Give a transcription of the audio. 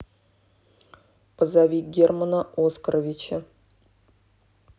позови германа оскаровича